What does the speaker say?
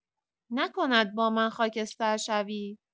نکند با من خاکستر شوی.